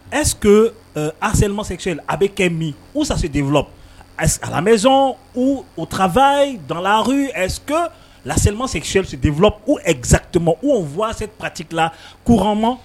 Est ce que euh harcellement sexuel a bɛ kɛ min ou ça se dévéloppe est ce à la maison ou au travail, dans la rue est ce que l'harcellement sexuel se dévéloppe ou exactement ou on voit cette pratique là couremment